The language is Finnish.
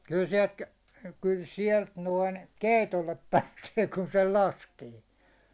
kyllä sieltä kyllä sieltä noin keitolle pääsee kun sen laskee